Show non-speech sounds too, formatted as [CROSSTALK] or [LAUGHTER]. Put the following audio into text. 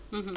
[HESITATION] [HESITATION]